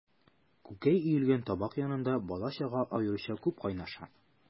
Күкәй өелгән табак янында бала-чага аеруча күп кайнаша.